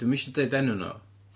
Dwi'm isio deud enw nw.